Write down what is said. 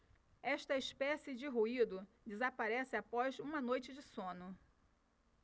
esta espécie de ruído desaparece após uma noite de sono